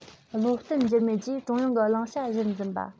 བློ བརྟན འགྱུར མེད ཀྱིས ཀྲུང དབྱང གི བླང བྱ གཞིར འཛིན པ